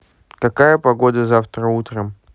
какая погода завтра утром